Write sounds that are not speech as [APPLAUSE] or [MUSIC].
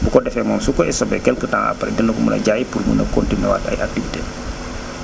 bu ko defee moom su ko stopé quelque temps après dana ko mën a jaay pour mën a continué waat ay activité [NOISE]